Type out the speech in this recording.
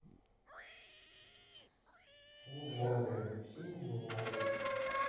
у моря у синего моря